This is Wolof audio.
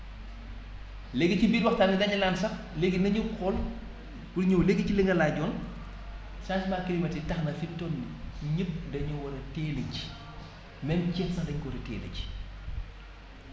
léegi ci biir waxtaan yi dañu naan sax léegi nañu xool pour ñëw léegi ci li nga laajoon changement climatique tax na fi mu toll nii ñépp dañu war a teel a ji même ceeb sax dañu ko war a teel a ji